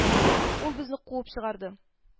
Ул безне куып чыгарды